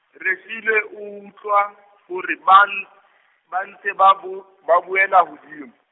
Refilwe o utlwa, hore ban-, ba ntse ba bu-, ba buela hodimo.